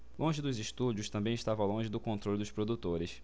longe dos estúdios também estava longe do controle dos produtores